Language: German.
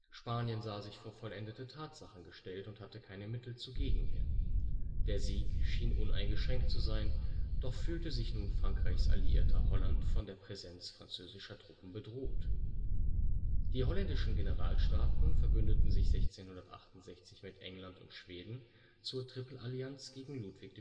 Spanien sah sich vor vollendete Tatsachen gestellt und hatte keine Mittel zu Gegenwehr. Der Sieg schien uneingeschränkt zu sein, doch fühlte sich nun Frankreichs Alliierter Holland von der Präsenz französischer Truppen bedroht. Die holländischen Generalstaaten verbündeten sich 1668 mit England und Schweden zur Tripelallianz gegen Ludwig